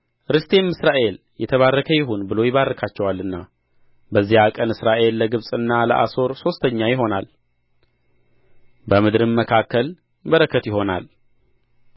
ርስቴም እስራኤል የተባረከ ይሁን ብሎ ይባርካቸዋልና በዚያ ቀን እስራኤል ለግብጽና ለአሦር ሦስተኛ ይሆናል በምድርም መካከል በረከት ይሆናል